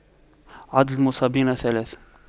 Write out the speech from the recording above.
عدد المصابين ثلاثة